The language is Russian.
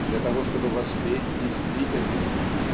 Для того чтобы воспеть действительность